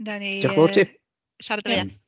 Wnawn ni yy siarad yn fuan.